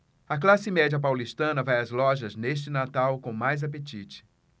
a classe média paulistana vai às lojas neste natal com mais apetite